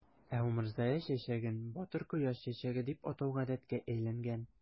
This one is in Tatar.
Ә умырзая чәчәген "батыр кояш чәчәге" дип атау гадәткә әйләнгән.